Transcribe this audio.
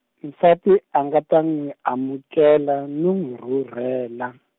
nsati a nga ta n'wi amukela no n'wi rhurhela.